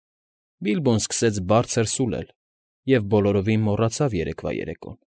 Բիլբոն սկսեց բարձր սուլել և բոլորովին մոռացավ երեկվա երեկոն։